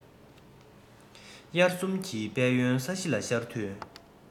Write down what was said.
དབྱར གསུམ གྱི དཔལ ཡོན ས གཞི ལ ཤར དུས